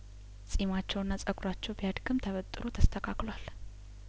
ጺማቸውና ጹጉራቸው ቢያድግም ተበጥሮ ተስተካክሏል